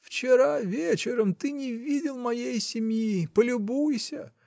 -- Вчера вечером ты не видел моей семьи: полюбуйся.